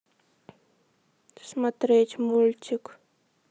смотреть мультик